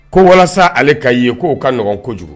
Ko walasa ale ka ye k'o kaɔgɔn kojugu